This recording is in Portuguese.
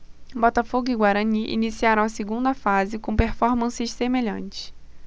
botafogo e guarani iniciaram a segunda fase com performances semelhantes